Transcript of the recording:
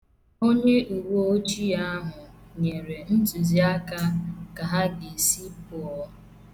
Onye uweojii ahụ nyere ntụziaka ka ha ga-esi pụọ.